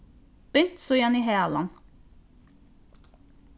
bint síðani halan